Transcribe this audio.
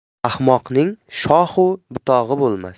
ahmoqning shox u butog'i bo'lmas